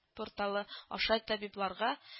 Порталы аша табибларга –